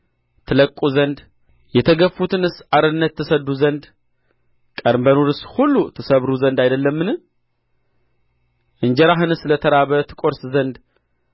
ትለቅቁ ዘንድ የተገፉትንስ አርነት ትሰድዱ ዘንድ ቀንበሩንስ ሁሉ ትሰብሩ ዘንድ አይደለምን እንጀራህንስ ለተራበ ትቈርስ ዘንድ